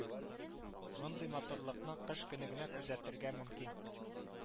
Мондый матурлыкны кыш көне генә күзәтергә мөмкин